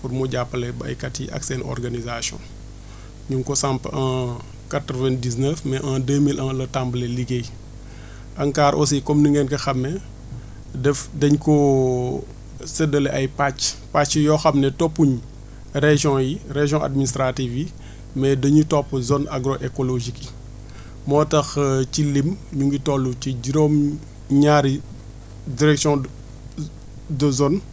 pour mu jàppale béykat yi ak seen organisation mi ngi ko samp en quatre vingt dix neuf mais en deux mille un la tàmbali liggéey ANCAR aussi comme ni ngeen ko xamee daf dañ koo séddale ay pàcc pàcc yoo xam ne toppu ñu régions yi région administratives yi mais dañu topp zones agro écologiques yi moo tax ci lim ñu ngi toll ci juróom-ñaari directions de zone